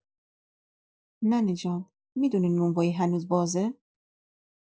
ننه جان، می‌دونی نونوایی هنوز بازه؟